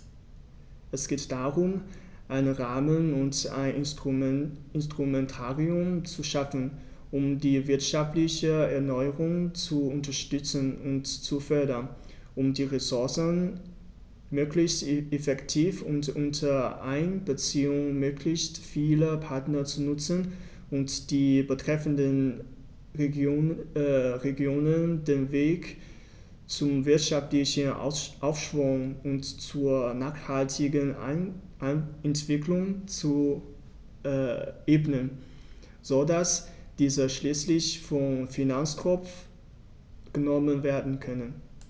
Es geht darum, einen Rahmen und ein Instrumentarium zu schaffen, um die wirtschaftliche Erneuerung zu unterstützen und zu fördern, um die Ressourcen möglichst effektiv und unter Einbeziehung möglichst vieler Partner zu nutzen und den betreffenden Regionen den Weg zum wirtschaftlichen Aufschwung und zur nachhaltigen Entwicklung zu ebnen, so dass diese schließlich vom Finanztropf genommen werden können.